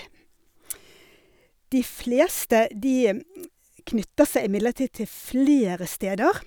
De fleste, de knytter seg imidlertid til flere steder.